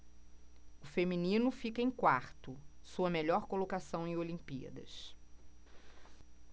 o feminino fica em quarto sua melhor colocação em olimpíadas